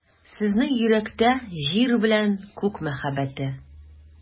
Сезнең йөрәктә — Җир белә Күк мәхәббәте.